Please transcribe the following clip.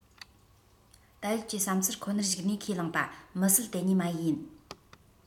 ད ཡོད ཀྱི བསམ ཚུལ ཁོ ནར གཞིགས ནས ཁས བླངས པ མི སྲིད དེ གཉིས མ ཡིག ཡིན